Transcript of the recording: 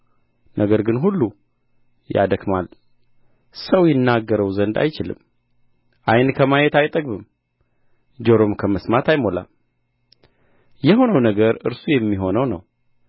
ነገር ሁሉ ያደክማል ሰው ይናገረው ዘንድ አይችልም ዓይን ከማየት አይጠግብም ጆሮም ከመስማት አይሞላም የሆነው ነገር እርሱ የሚሆን ነው